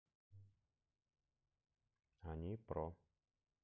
они про